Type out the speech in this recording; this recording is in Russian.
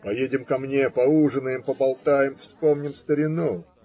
Поедем ко мне, поужинаем, поболтаем, вспомним старину.